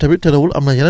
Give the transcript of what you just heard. ñakk